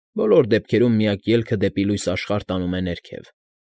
Բոլոր դեպքերում միակ ելքը դեպի լույս աշխարհ տանում է ներքև։